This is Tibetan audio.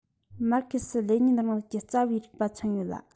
མར ཁེ སི ལེ ཉིན རིང ལུགས ཀྱི རྩ བའི རིག པ མཚོན ཡོད ལ